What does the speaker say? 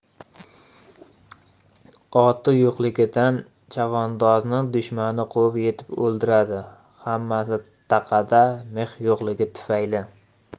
oti yo'qligidan chavandozni dushmani quvib yetib o'ldiradi hammasi taqada mix yo'qligi tufayli